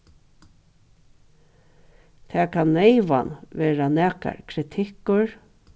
tað kann neyvan vera nakar kritikkur